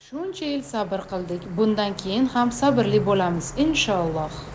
shuncha yil sabr qildik bundan keyin ham sabrli bo'lamiz inshoolloh